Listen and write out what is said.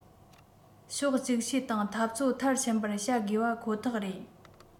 ཕྱོགས ཅིག ཤོས དང འཐབ རྩོད མཐར ཕྱིན པར བྱ དགོས པ ཁོ ཐག རེད